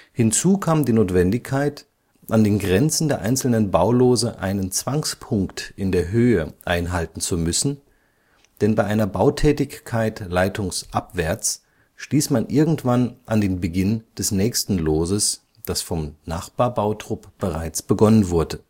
Hinzu kam die Notwendigkeit, an den Grenzen der einzelnen Baulose einen Zwangspunkt in der Höhe einhalten zu müssen, denn bei einer Bautätigkeit leitungsabwärts stieß man irgendwann an den Beginn des nächsten Loses, das vom Nachbarbautrupp bereits begonnen wurde